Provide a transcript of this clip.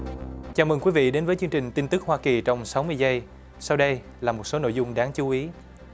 chào mừng quý vị đến với chương trình tin tức hoa kỳ trong sáu mươi giây sau đây là một số nội dung đáng chú ý